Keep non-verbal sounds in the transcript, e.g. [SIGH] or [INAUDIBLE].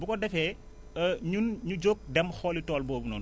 bu ko defee [HESITATION] ñun ñu jóg dem xooli tool boobu noonu